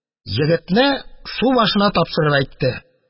Егетне субашына тапшырып әйтте